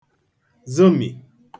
zomì